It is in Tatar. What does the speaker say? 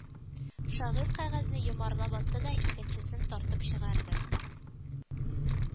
Шагыйрь кәгазьне йомарлап атты да икенчесен тартып чыгарды